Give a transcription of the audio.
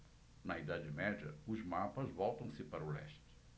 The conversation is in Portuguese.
na idade média os mapas voltam-se para o leste